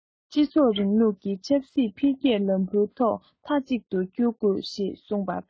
སྤྱི ཚོགས རིང ལུགས ཀྱི ཆབ སྲིད འཕེལ རྒྱས ལམ བུའི ཐོག མཐའ གཅིག ཏུ སྐྱོད དགོས ཞེས གསུངས པ